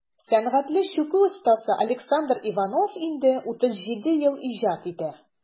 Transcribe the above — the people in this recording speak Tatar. Сәнгатьле чүкү остасы Александр Иванов инде 37 ел иҗат итә.